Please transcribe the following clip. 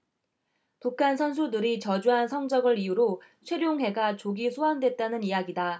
북한 선수들의 저조한 성적을 이유로 최룡해가 조기 소환됐다는 이야기다